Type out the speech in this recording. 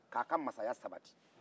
k'a ka mansaya sabati